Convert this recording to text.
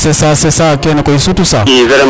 c' est ca kene koy surtout ca